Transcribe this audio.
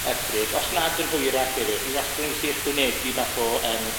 Ebrill, os nad yn hwyrach hefyd. Chi wastad yn gallu ychwanegu bach o yym,